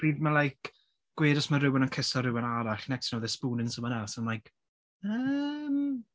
pryd mae like gweud os mae rhywun yn cuso rhywun arall next thing you know they're spooning someone else. I'm like "Yym?"